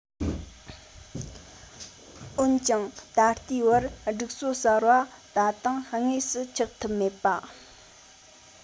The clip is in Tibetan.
འོན ཀྱང ད ལྟའི བར སྒྲིག སྲོལ གསར པ ད དུང དངོས སུ ཆགས ཐུབ མེད པ